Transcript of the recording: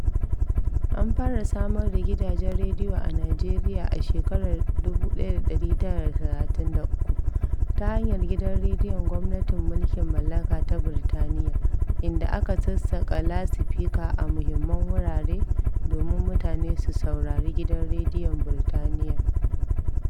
An fara samar da gidajen radiyo a Nijeriya a shekarar 1933, ta hanyar Gidan rediyon Gwamnatin Mulkin Mallaka ta Burtaniya, inda aka sassaka lasifika a muhimman wurare domin mutane su saurari Gidan Rediyon Burtaniya.